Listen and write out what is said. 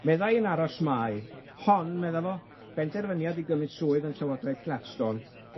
meddai yn Aros Mai, hon medda fo, benderfyniad i gymryd swydd yn Llywodraeth Gladston,